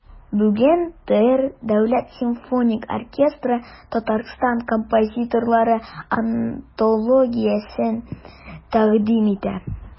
Бүген ТР Дәүләт симфоник оркестры Татарстан композиторлары антологиясен тәкъдим итә.